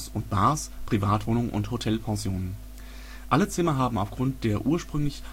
und Bars, Privatwohnungen und Hotelpensionen. Alle Zimmer haben aufgrund der ursprünglichen